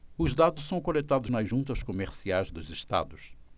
os dados são coletados nas juntas comerciais dos estados